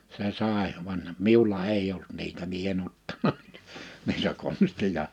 se sai vaan minulla ei ollut niitä minä en ottanut niitä niitä konstia